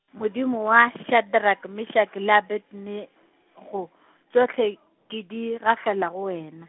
Modimo wa Shadrack Meshack le Abednego, tšohle, ke di gafela go wena.